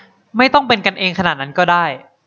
ไม่ต้องเป็นกันเองขนาดนั้นก็ได้